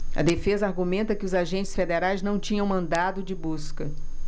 a defesa argumenta que os agentes federais não tinham mandado de busca